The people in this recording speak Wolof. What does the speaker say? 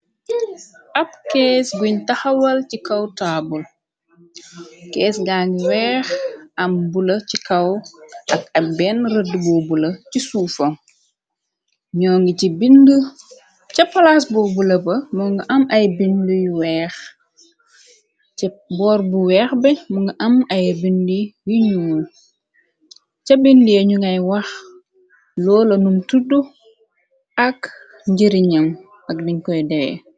Ab kees buñ taxawal ci kaw taabul. Kees gaa ngi weex am bula ci kaw ak ab benn rëdd boo bula. Ci suufam ñoo ngi ci bind ca palaas boo bula ba moo nga am ay binduy weex. Ci boor bu weex be mo nga am ay bind yiñu ca bind yañu ngay wax loola num tudd. Ak njari ñam ak diñ koy deee.